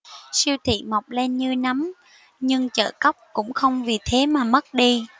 siêu thị mọc lên như nấm nhưng chợ cóc cũng không vì thế mà mất đi